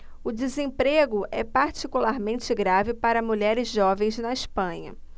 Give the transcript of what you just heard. o desemprego é particularmente grave para mulheres jovens na espanha